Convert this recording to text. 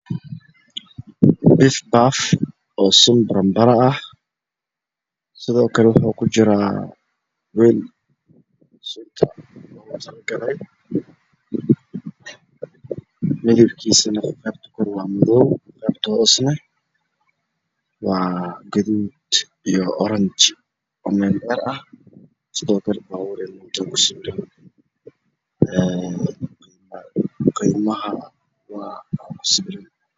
Biifbaf oo sun baranbaro ah sidookale waxey kujiraa weel sunta loogu Tala galay medebkiisu qeebta kori waa madow qeebta hoosane gaduud iyo oranji